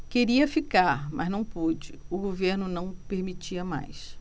queria ficar mas não pude o governo não permitia mais